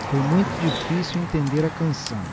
foi muito difícil entender a canção